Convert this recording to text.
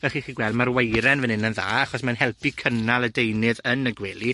fel chi 'llu gweld ma'r weiren fan 'yn yn dda, achos mae'n helpu cynnal y deunydd yn y gwely.